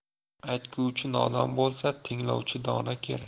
aytguvchi nodon bo'lsa tinglovchi dono kerak